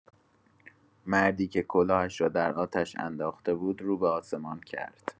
مردی که کلاهش را در آتش انداخته بود، رو به آسمان کرد.